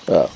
waaw